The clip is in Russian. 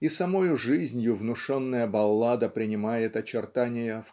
и самою жизнью внушенная баллада принимает очертания